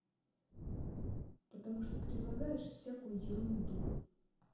потому что предлагаешь всякую ерунду